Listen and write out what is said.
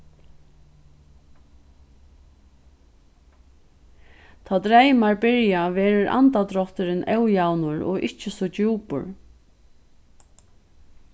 tá dreymar byrja verður andadrátturin ójavnur og ikki so djúpur